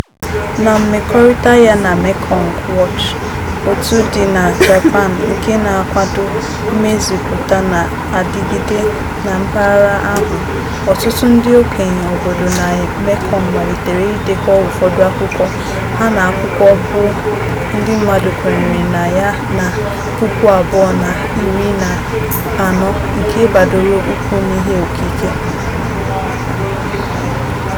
Na mmekorịta ya na Mekong Watch, òtù dị na Japan nke na-akwado mmezipụta na-adịgide na mpaghara ahụ, ọtụtụ ndị okenye obodo na Mekong malitere idekọ ụfọdụ akụkọ ha na akụkọ gboo ndị mmadụ kwenyere na ya na 2014 nke gbadoro ụkwụ n'ihe okike.